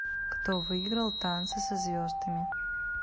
кто выиграл танцы со звездами